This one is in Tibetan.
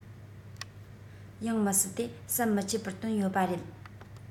ཡང མི སྲིད དེ ཟམ མི ཆད པར བཏོན ཡོད པ རེད